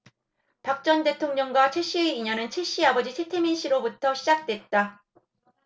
박 전 대통령과 최씨의 인연은 최씨 아버지 최태민씨로부터 시작됐다